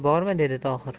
ham yog'iy bormi dedi tohir